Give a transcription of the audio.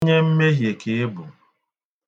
Onye mmehie ka ị bụ.